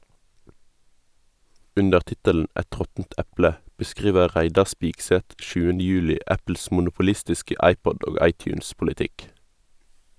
Under tittelen "Et råttent eple" beskriver Reidar Spigseth 7. juli Apples monopolistiske iPod- og iTunes-politikk.